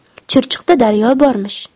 chirchiqda daryo bormish